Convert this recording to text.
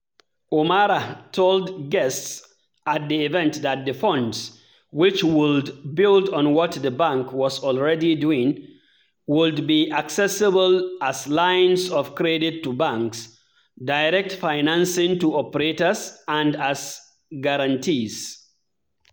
Omarah told guests at the event that the funds, which would build on what the bank was already doing, would be accessible as lines of credit to banks, direct financing to operators and as guarantees.